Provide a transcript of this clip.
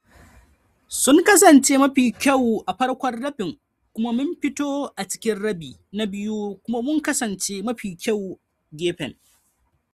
Sun kasance mafi kyau a farkon rabin kuma mun fito a cikin rabi na biyu kuma mun kasance mafi kyau gefen.